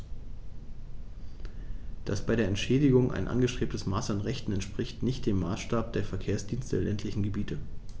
Das bei der Entschädigung angestrebte Maß an Rechten entspricht nicht dem Maßstab der Verkehrsdienste der ländlichen Gebiete.